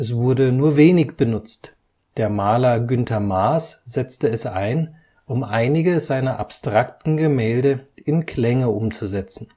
wurde nur wenig benutzt, der Maler Günter Maas setzte es ein, um einige seiner abstrakten Gemälde in Klänge umzusetzen